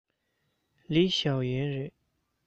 ལིའི ཞའོ ཡན རེད